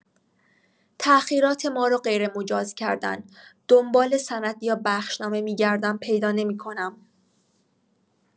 تاخیرات ما رو غیرمجاز کردن دنبال سند یا بخشنامه می‌گردم پیدا نمی‌کنم.